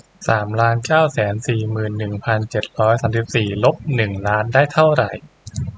สามล้านเก้าแสนสี่หมื่นหนึ่งพันเจ็ดร้อยสามสิบสี่ลบหนึ่งล้านได้เท่าไหร่